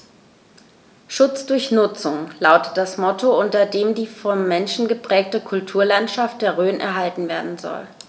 „Schutz durch Nutzung“ lautet das Motto, unter dem die vom Menschen geprägte Kulturlandschaft der Rhön erhalten werden soll.